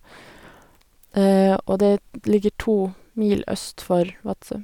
Og det er ligger to mil øst for Vadsø.